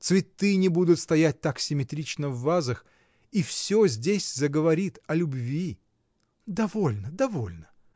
Цветы не будут стоять так симметрично в вазах, и всё здесь заговорит о любви. — Довольно, довольно!